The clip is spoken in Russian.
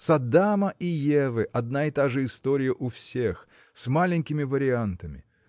с Адама и Евы одна и та же история у всех, с маленькими вариантами.